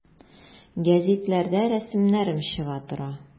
Гәзитләрдә рәсемнәрем чыга тора.